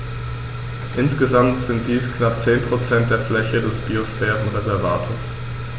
Insgesamt sind dies knapp 10 % der Fläche des Biosphärenreservates.